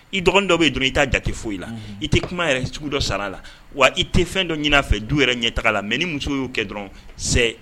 I dɔgɔnin dɔ bɛ yen don i t ta jate foyi i la i tɛ kuma yɛrɛ cogo dɔ sara la wa i tɛ fɛn dɔ ɲini'a fɛ du yɛrɛ ɲɛ taga la mɛ ni muso y'o kɛ dɔrɔn sɛ